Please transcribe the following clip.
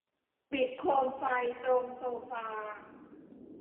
ปิดโคมไฟตรงโซฟา